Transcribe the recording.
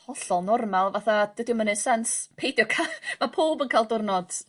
hollol normal fatha dydi o'm yn neu' *sense peidio ca- ma' powb yn ca'l diwrnod